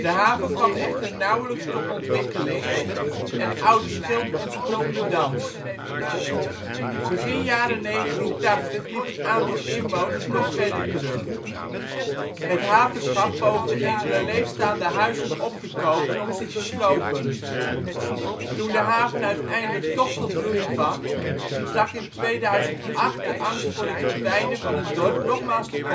haven kwam echter nauwelijks tot ontwikkeling en Oudeschip ontsprong de dans. Begin jaren 1980 liep het aantal inwoners nog verder terug. Het havenschap poogde enkele leegstaande huizen op te kopen om ze te slopen. Toen de haven uiteindelijk toch tot bloei kwam, stak in 2008 de angst voor het verdwijnen van het dorp nogmaals de